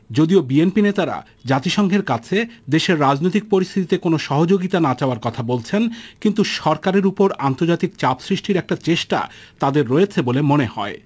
যদিও বিএনপি নেতারা জাতিসংঘের কাছে দেশের রাজনৈতিক পরিস্থিতিতে কোন সহযোগিতা না চাওয়ার কথা বলছেন কিন্তু সরকারের ওপর আন্তর্জাতিক চাপ সৃষ্টির একটা চেষ্টা তাদের রয়েছে বলে মনে হয়